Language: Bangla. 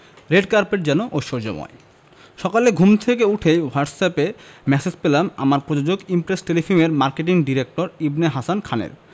রেড কার্পেট যেন ঐশ্বর্যময় সকালে ঘুম থেকে উঠেই হোয়াটসঅ্যাপ ম্যাসেজ পেলাম আমার প্রযোজক ইমপ্রেস টেলিফিল্মের মার্কেটিং ডিরেক্টর ইবনে হাসান খানের